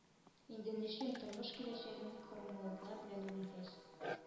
Инде нишлим тормыш киләчәгем кормавыклар белән үрелгәч